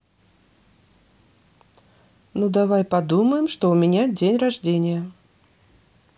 ну давай подумаем что у меня день рождения